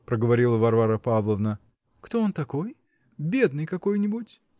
-- проговорила Варвара Павловна. -- Кто он такой? Бедный какой-нибудь?